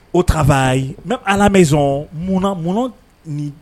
Au travail à la maison mun na , mun na ni